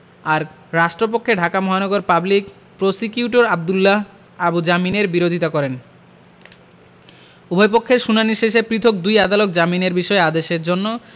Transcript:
আর রাষ্ট্রপক্ষে ঢাকা মহানগর public prosecutor Abdullah Abu জামিনের বিরোধিতা করেন উভয়পক্ষের শুনানি শেষে পৃথক দুই আদালত জামিনের বিষয়ে আদেশের জন্য